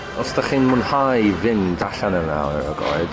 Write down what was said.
os dach chi'n mwnhau fynd allan yn yr awyr agored